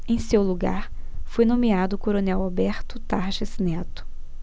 em seu lugar foi nomeado o coronel alberto tarjas neto